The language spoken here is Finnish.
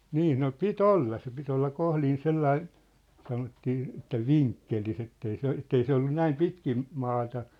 niin no piti olla se piti olla kohdin sellainen sanottiin että vinkkelissä että ei se että ei se ollut näin pitkin maata